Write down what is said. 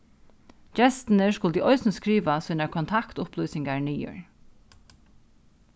gestirnir skuldu eisini skriva sínar kontaktupplýsingar niður